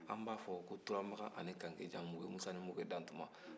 an b'a fɔ ko turamakan ani kankejan muke musa ni muke dantuma